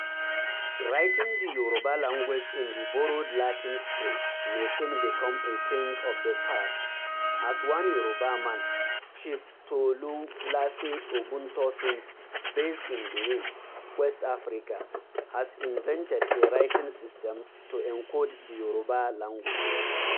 Writing the Yorùbá language in the borrowed Latin script may soon become a thing of the past as one Yorùbá man, Chief Tolúlàṣẹ Ògúntósìn, based in Benin, West Africa, has invented a writing system to encode the Yorùbá language.